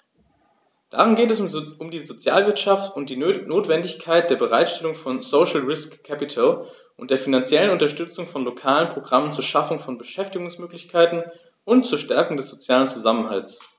Darin geht es um die Sozialwirtschaft und die Notwendigkeit der Bereitstellung von "social risk capital" und der finanziellen Unterstützung von lokalen Programmen zur Schaffung von Beschäftigungsmöglichkeiten und zur Stärkung des sozialen Zusammenhalts.